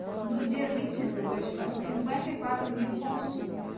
no dia vinte e dois foram cinquenta e quatro mil consultas